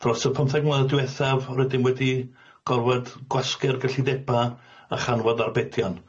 Dros y pymtheg mlynedd diwethaf rydym wedi gorfod gwasgu'r gellineba a chanfod arbedion.